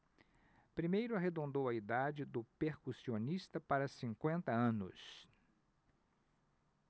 primeiro arredondou a idade do percussionista para cinquenta anos